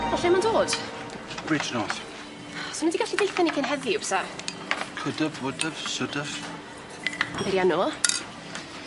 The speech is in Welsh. O lle ma'n dod? Bridgenorth. Swn nw gallu deutho ni cyn heddiw bysa? Could've would've should've.